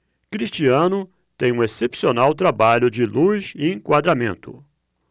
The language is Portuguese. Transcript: cristiano tem um excepcional trabalho de luz e enquadramento